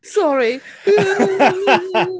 Sori!